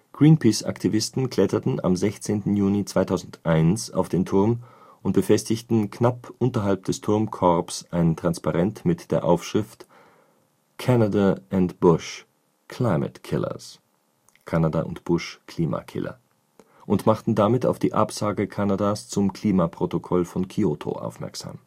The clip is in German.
Greenpeace-Aktivisten kletterten am 16. Juni 2001 auf den Turm und befestigten knapp unterhalb des Turmkorbs ein Transparent mit der Aufschrift „ Canada and Bush: Climate Killers. “(„ Kanada und Bush: Klimakiller. “) und machten damit auf die Absage Kanadas zum Klimaprotokoll von Kyoto aufmerksam